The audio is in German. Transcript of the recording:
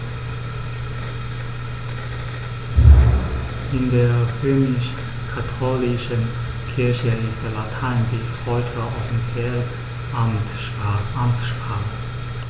In der römisch-katholischen Kirche ist Latein bis heute offizielle Amtssprache.